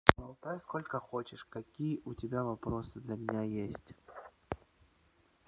болтай сколько хочешь какие у тебя вопросы для меня есть